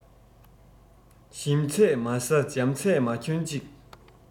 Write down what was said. ཞིམ ཚད མ ཟ འཇམ ཚད མ གྱོན ཅིག